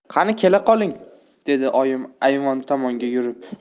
qani kela qoling dedi oyim ayvon tomonga yurib